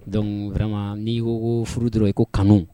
Dɔnkuc n'i y furu dɔrɔn i ko kanu